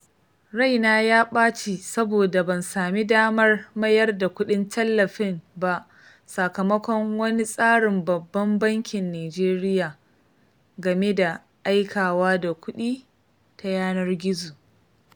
Raina ya ɓaci saboda ban sami damar mayar da kuɗin tallafin ba sakamakon wani tsarin Babban Bankin Nijeriya game da aikawa da kuɗi ta yanar gizo.